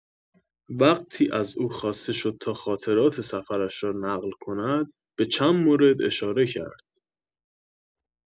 وقتی از او خواسته شد تا خاطرات سفرش را نقل کند، به چند مورد اشاره کرد.